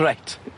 Reit.